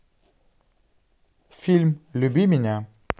фильм люби меня